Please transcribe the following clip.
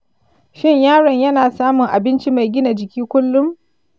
shin yaron yana samun abinci mai gina jiki kullum?